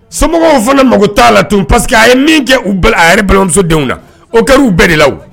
Somɔgɔw fana maKo t'a la tun parce que a ye min kɛ u bala a yɛrɛ balimusodenw na. O kɛr'u bɛɛ de la o.